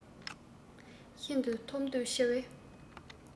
ཤིན ཏུ ཐོབ འདོད ཆེ བས